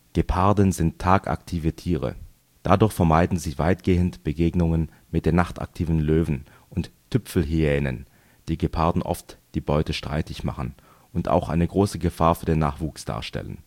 Geparde sind tagaktive Tiere. Dadurch vermeiden sie weitgehend Begegnungen mit den nachtaktiven Löwen und Tüpfelhyänen, die Geparden oft die Beute streitig machen und auch eine große Gefahr für den Nachwuchs darstellen